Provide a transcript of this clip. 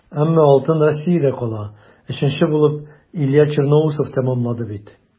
Әмма алтын Россиядә кала - өченче булып Илья Черноусов тәмамлады бит.